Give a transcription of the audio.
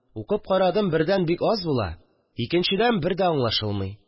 Укып карадым, бердән бик аз була, икенчедән бер дә аңлашылмый!